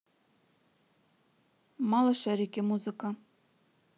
малышарики музыка